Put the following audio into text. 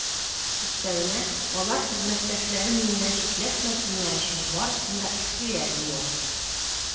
Өстәвенә, алар хезмәттәшләрем миннән читләшсеннәр өчен барысын да эшлиләр, - ди ул.